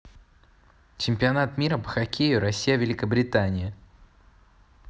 чемпионат мира по хокею россия великобритания